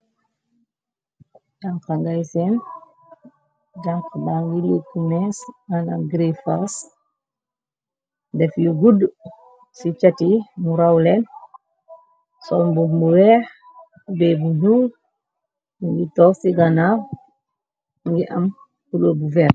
Janka ngay seen jànq ba ngi littu mees ana gree fals daf yu gudd ci cati mu rawleen sol mbum mu weex bee bu nuur ngi tof ci ganaaw ngi am color bu veerte.